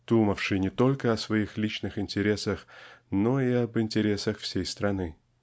думавшей не только о своих личных интересах но и об интересах всей страны.